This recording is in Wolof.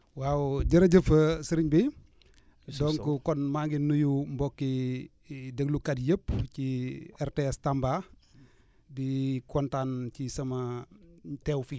waaw jërëjëf sëriñ bi donc kon maa ngi nuyu mbokki déglukat yëpp ci RTS Tamba di kontaan ci sama teew fii